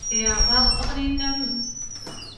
Ia wel oddan ni'n yym yy